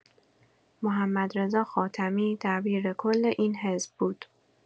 محمدرضا خاتمی دبیرکل این حزب بود.